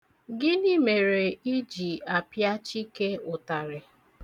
Gịnị mere ị ji apịa Chike ụtarị?